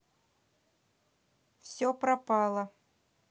все пропало